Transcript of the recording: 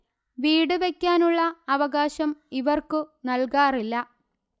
വീട് വെക്കാനുളള അവകാശം ഇവർക്കു നൽകാറില്ല